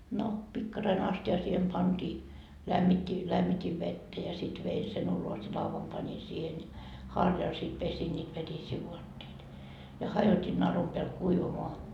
no pikkarainen astia siihen pantiin lämmitti lämmitin vettä ja sitten vein sen ulos ja laudan panin siihen ja harjalla sitten pesin niitä vetisiä vaatteita ja hajotin narun päälle kuivamaan